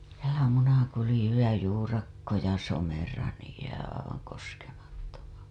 siellä Munakulju ja Juurakko ja Somera niin jää aivan koskemattomaksi